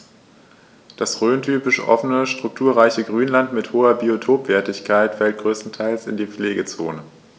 Das rhöntypische offene, strukturreiche Grünland mit hoher Biotopwertigkeit fällt größtenteils in die Pflegezone.